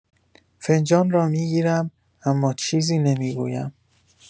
فنجان را می‌گیرم، اما چیزی نمی‌گویم.